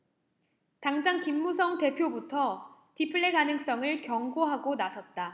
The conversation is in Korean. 당장 김무성 대표부터 디플레 가능성을 경고하고 나섰다